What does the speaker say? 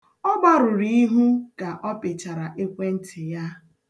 Ọ gbarụrụ ihu ka o pịchara ekwentị ya.